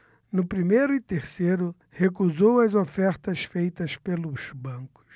no primeiro e terceiro recusou as ofertas feitas pelos bancos